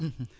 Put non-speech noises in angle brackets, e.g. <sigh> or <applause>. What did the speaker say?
<hesitation> <hesitation>